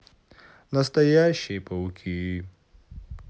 настоящие пауки